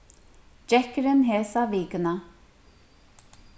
gekkurin hesa vikuna